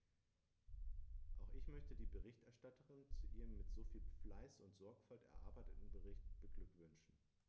Auch ich möchte die Berichterstatterin zu ihrem mit so viel Fleiß und Sorgfalt erarbeiteten Bericht beglückwünschen.